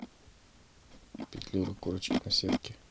петлюра курочки наседки